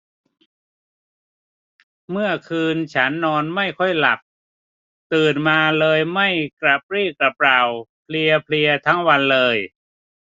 เมื่อคืนฉันนอนไม่ค่อยหลับตื่นมาเลยไม่กระปรี้กระเปร่าเพลียเพลียทั้งวันเลย